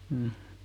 mm